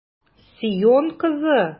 Сион кызы!